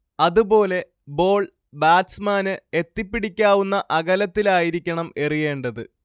അതുപോലെ ബോൾ ബാറ്റ്സ്മാന് എത്തിപ്പിടിക്കാവുന്ന അകലത്തിലായിരിക്കണം എറിയേണ്ടത്